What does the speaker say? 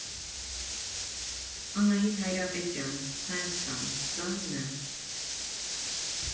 Անահիտ Հայրապետյան (Հայաստան, ծն.